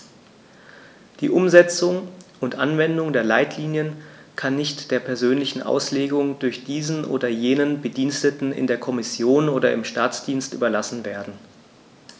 Die Umsetzung und Anwendung der Leitlinien kann nicht der persönlichen Auslegung durch diesen oder jenen Bediensteten in der Kommission oder im Staatsdienst überlassen werden.